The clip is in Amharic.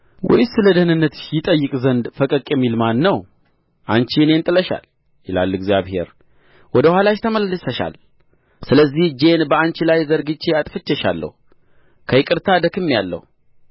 ወይስ ስለ ደኅንነትሽ ይጠይቅ ዘንድ ፈቀቅ የሚል ማነ ነው አንቺ እኔን ጥለሻል ይላል እግዚአብሔር ወደ ኋላሽም ተመልሰሻል ስለዚህ እጄን በአንቺ ላይ ዘርግቼ አጥፍቼሻለሁ ከይቅርታ ደክሜአለሁ